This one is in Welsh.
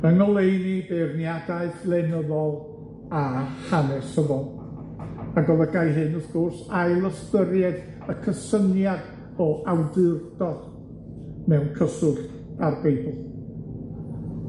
yng ngoleuni beirniadaeth lenyddol a hanesyddol, ac o'dd y gair hyn, wrth gwrs, ail ystyried y cysyniad o awdurdod mewn cyswllt â'r Beibl.